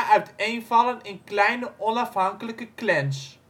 uiteenvallen in kleine onafhankelijke " Klans